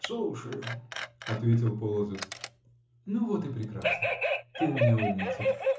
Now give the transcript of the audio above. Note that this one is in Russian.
-- Слушаю, -- ответил Полозов. -- Ну, вот и прекрасно. Ты у меня умница.